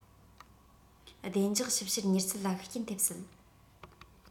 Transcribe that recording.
བདེ འཇགས ཞིབ བཤེར མྱུར ཚད ལ ཤུགས རྐྱེན ཐེབས སྲིད